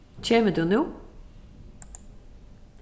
kemur tú nú